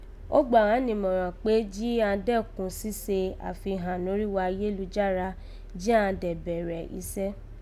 Ó gbà ghán nìmọ̀ràn kpé "jí ghan dẹ́kun síse àfihàn norígho ayélujára jí àn dẹ̀ bẹ̀rẹ̀ isẹ́!"